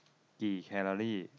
กี่แคลอรี่